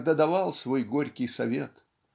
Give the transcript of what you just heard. когда давал свой горький совет